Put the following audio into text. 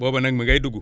booba nag mu ngay dugg